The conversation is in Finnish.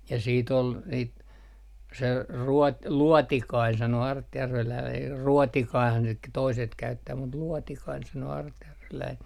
ja siitä oli niitä se - luotikainen sanoi artjärveläinen - ruotikainenhan sitä - toiset käyttää mutta luotikainen sanoo artjärveläinen